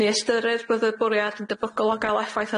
Ni ystyrir bydd y bwriad yn debygol o ga'l effaith